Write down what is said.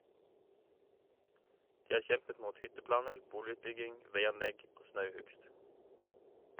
De har kjempet mot hytteplaner, boligutbygging, veianlegg og snauhugst.